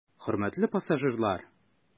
Хөрмәтле пассажирлар!